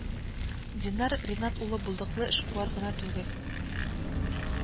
Динар Ринат улы булдыклы эшкуар гына түгел